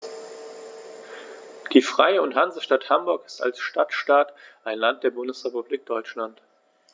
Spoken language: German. Die Freie und Hansestadt Hamburg ist als Stadtstaat ein Land der Bundesrepublik Deutschland.